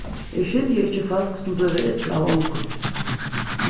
eg skilji ikki fólk sum blíva ill av ongum